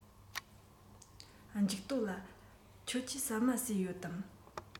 འཇིགས སྟོབས ལགས ཁྱོད ཀྱིས ཟ མ ཟོས ཡོད དམ